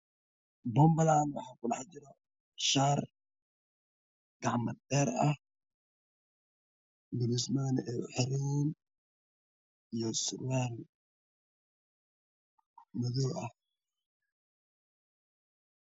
Waa boonbalo waxaa kujiro shaar gacmo dheer ah guluusta ay u xiran yihiin iyo surwaal madow ah.